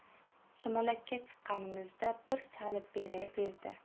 sumalakka chiqqanimizda bir chalib beray devdi